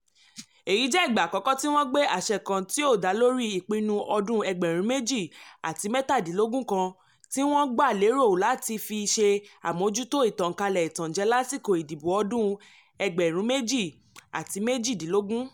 Èyí jẹ́ ìgbà àkọ́kọ́ tí wọ́n gbé àṣẹ kan tí ó dá lórí ìpinnu ọdún 2017 kan tí wọ́n gbà lérò láti fi ṣe àmójútó ìtànkálẹ̀ ìtànjẹ lásìkò ìdìbò ọdún 2018.